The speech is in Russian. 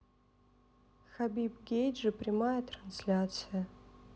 хабиб гейджи прямая трансляция